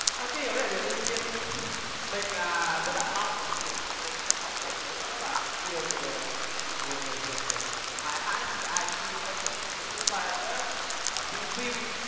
à cái điều đấy là điều đương nhiên mình à rất là mong là thị trường trim minh còn phát triển nữa và có nhiều người làm trim minh và nhiều người vượt mình thì mãi mãi là chỉ có ai chi quách thành vũ vai rớt ờ piu piu